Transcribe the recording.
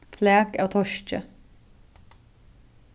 flak av toski